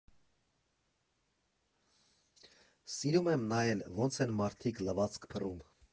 Սիրում եմ նայել՝ ոնց են մարդիկ լվացք փռում։